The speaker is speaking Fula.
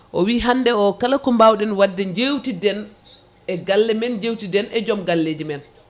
o wi hande o kala ko mbawɗen wadde jewtiden e galle men jewtiden e joom galleji men